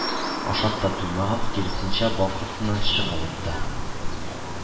Ашап та туймаган, киресенчә, бал кортыннан чагылып та